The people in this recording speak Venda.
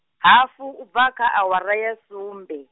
hafu u bva kha awara ya sumbe.